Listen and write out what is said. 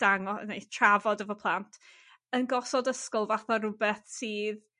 dango- neu trafod efo plant yn gosod ysgol fatha rwbeth sydd